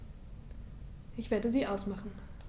Ich werde sie ausmachen.